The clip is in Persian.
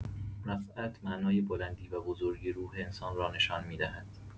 رفعت معنای بلندی و بزرگی روح انسان را نشان می‌دهد.